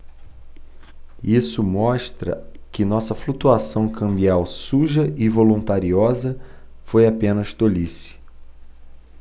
isso mostra que nossa flutuação cambial suja e voluntariosa foi apenas tolice